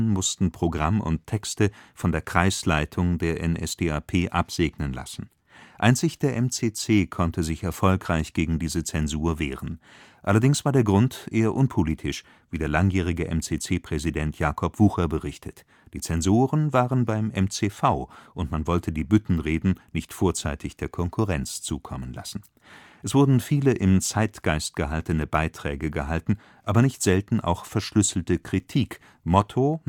mussten Programm und Texte von der Kreisleitung der NSDAP absegnen lassen. Einzig der MCC konnte sich erfolgreich gegen diese Zensur wehren. Allerdings war der Grund eher unpolitisch, wie der langjährige MCC-Präsident Jakob Wucher berichtet: Die Zensoren waren beim MCV, und man wollte die Büttenreden nicht vorzeitig der Konkurrenz zukommen lassen. Es wurden viele im Zeitgeist gehaltene Beiträge gehalten, aber nicht selten auch verschlüsselte Kritik (Motto